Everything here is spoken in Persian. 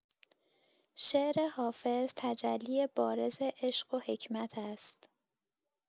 شعر حافظ تجلی بارز عشق و حکمت است.